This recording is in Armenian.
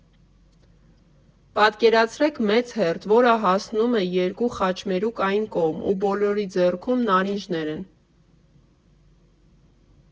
Պատկերացրեք՝ մեծ հերթ, որը հասնում է երկու խաչմերուկ այն կողմ ու բոլորի ձեռքում նարինջներ են։